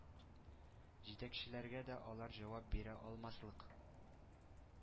Җитәкчеләргә дә алар җавап бирә алмаслык